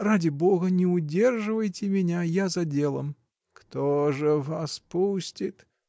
Ради Бога, не удерживайте меня: я за делом. — Кто ж вас пустит?